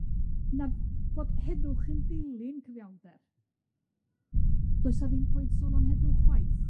na- bod heddwch yn dilyn cyfiawnder does 'na ddim pwynt sôn am heddwch chwaith.